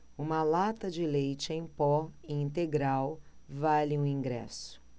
uma lata de leite em pó integral vale um ingresso